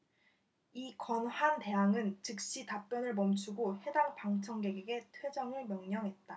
이 권한대항은 즉시 답변을 멈추고 해당 방청객에게 퇴정을 명령했다